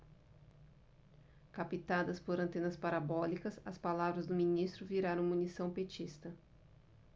captadas por antenas parabólicas as palavras do ministro viraram munição petista